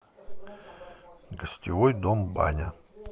гостевой дом баня